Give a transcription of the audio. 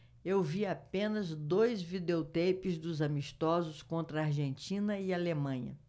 eu vi apenas dois videoteipes dos amistosos contra argentina e alemanha